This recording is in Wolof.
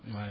oui